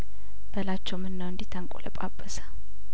በላቸውም ነው እንዲህ ተንቆ ለጳጰሰ